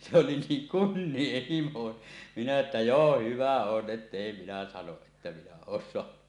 se oli niin kunnian himo minä että joo hyvä on että ei minä sano että minä olen saanut